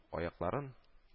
Аякларын